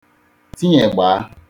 tinyegbaa